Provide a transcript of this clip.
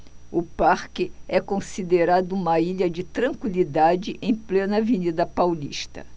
o parque é considerado uma ilha de tranquilidade em plena avenida paulista